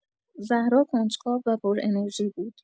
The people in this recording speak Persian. زهرا کنجکاو و پرانرژی بود.